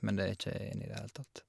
Men det er ikke jeg enig i i det hele tatt.